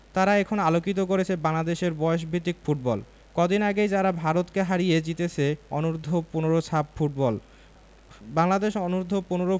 তারা এখন আলোকিত করছে বাংলাদেশের বয়সভিত্তিক ফুটবল কদিন আগেই যারা ভারতকে হারিয়ে জিতেছে অনূর্ধ্ব ১৫ সাফ ফুটবল বাংলাদেশ অনূর্ধ্ব ১৫